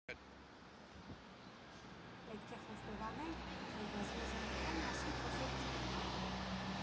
Պետք է խոստովանենք, որ բազմազանության մասին խոսել չենք կարող։